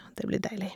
Det blir deilig.